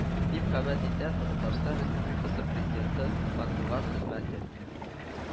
Дип хәбәт итә татарстан республикасы президенты матбугат хезмәте